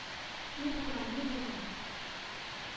-ни булган, ни булган...